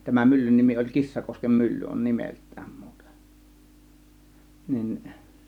tämän myllyn nimi oli Kissakosken mylly on nimeltään muuten niin